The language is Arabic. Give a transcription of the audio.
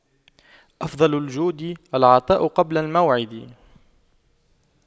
أفضل الجود العطاء قبل الموعد